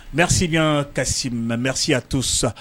Merci bien Kassim, merci à tous.